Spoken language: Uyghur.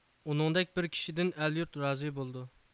ئۇنىڭدەك بىر كىشىدىن ئەل يۇرت رازى بولىدۇ